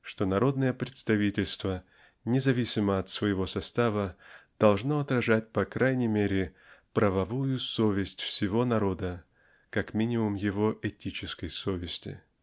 что народное представительство независимо от своего состава должно отражать по крайней мере правовую совесть всего народа как минимум его этической совести.